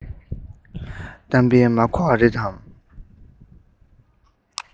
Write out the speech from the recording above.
གཏམ དཔེ མ གོ བ རེད དམ